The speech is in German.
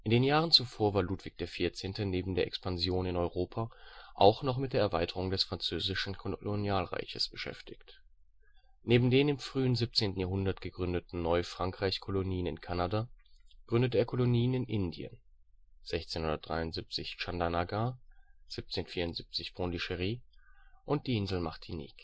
In den Jahren zuvor war Ludwig XIV. neben der Expansion in Europa auch noch mit der Erweiterung des französischen Kolonialreiches beschäftigt. Neben den im frühen 17. Jahrhundert gegründeten Neu-Frankreich-Kolonien in Kanada, gründete er Kolonien in Indien: 1673 Tschandarnagar, 1674 Pondichéry und die Insel Martinique